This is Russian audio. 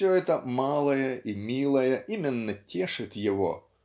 все это малое и милое именно тешит его